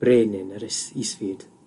brenin yr ys- isfyd